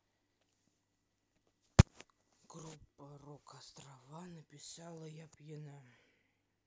группа рок острова напилася я пьяна